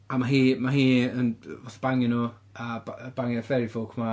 A ma' hi ma' hi yn, fatha, bangio nhw a ba- bangio fairy folk 'ma.